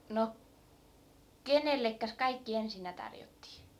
no kenellekäs kaikki ensinnä tarjottiin